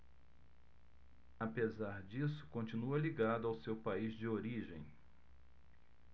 apesar disso continua ligado ao seu país de origem